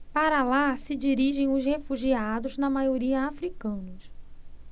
para lá se dirigem os refugiados na maioria hútus